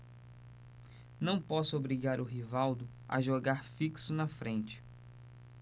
não posso obrigar o rivaldo a jogar fixo na frente